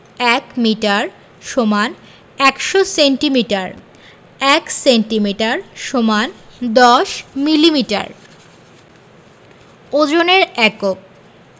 ১ metre = ১০০ centimetre ১ centimetre = ১০ millimetre ওজনের এককঃ